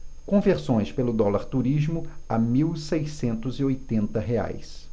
conversões pelo dólar turismo a mil seiscentos e oitenta reais